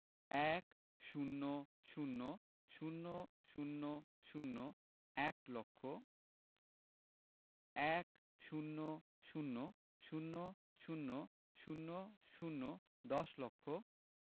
১০০০০০ এক লক্ষ ১০০০০০০ দশ লক্ষ